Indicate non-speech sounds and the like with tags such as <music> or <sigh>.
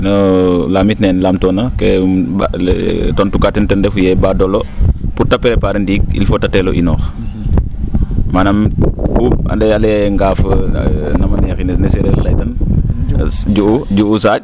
<hesitation> laamit nene laamtoona ke um tontukaa teen ten refu yee baadoola pour te préparer ndiig il faut te teela inoox manaam ku te layaa ngaaf nama layahinel sax ne seereer a laytan, xes ju'u, ju'u saa?